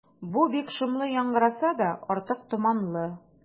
Бу бик шомлы яңгыраса да, артык томанлы.